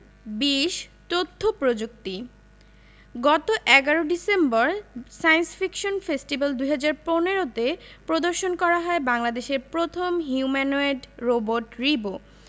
২০ তথ্য প্রযুক্তি গত ১১ ডিসেম্বর সায়েন্স ফিকশন ফেস্টিভ্যাল ২০১৫ তে প্রদর্শন করা হয় বাংলাদেশের প্রথম হিউম্যানোয়েড রোবট রিবো